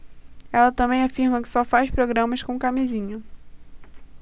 ela também afirma que só faz programas com camisinha